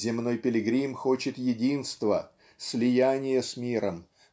Земной пилигрим хочет единства слияния с миром